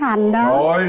thành đó